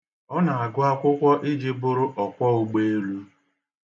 Ọ na-agụ akwụkwọ iji bụrụ ọkwọụgbọelu